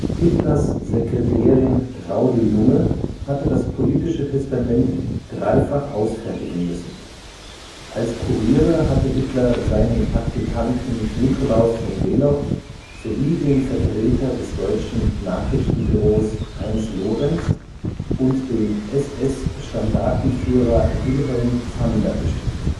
Hitlers Sekretärin Traudl Junge hatte das politische Testament dreifach ausfertigen müssen. Als Kuriere hatte Hitler seinen Adjutanten Nicolaus von Below sowie den Vertreter des deutschen Nachrichtenbüros Heinz Lorenz und den SS-Standartenführer Wilhelm Zander bestimmt